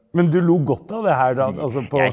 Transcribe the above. men du lo godt av det her da altså på.